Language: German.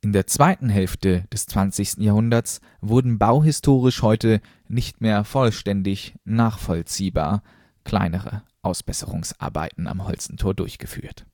der zweiten Hälfte des 20. Jahrhunderts wurden bauhistorisch heute nicht mehr vollständig nachvollziehbar kleinere Ausbesserungsarbeiten am Holstentor durchgeführt